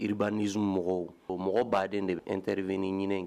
Ibanz mɔgɔ o mɔgɔ b'aden de bɛ n terir2i ɲinin in